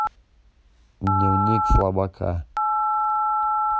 дневник слабака